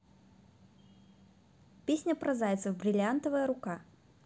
песня про зайцев бриллиантовая рука